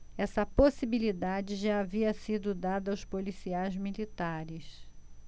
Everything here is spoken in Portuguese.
essa possibilidade já havia sido dada aos policiais militares